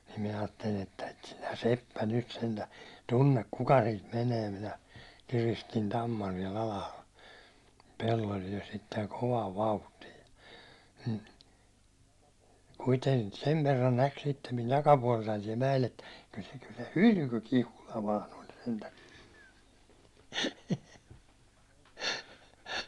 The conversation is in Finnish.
niin minä ajattelin että et sinä seppä nyt sentään tunne kuka siitä menee minä kiristin tamman siellä alhaalla pellolla jo sitten kovaan vauhtiin - sen verran näki sitten minun takapuoltani siellä mäellä että kyllä se kyllä se hylky Kihula vain oli sentään